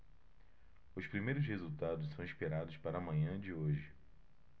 os primeiros resultados são esperados para a manhã de hoje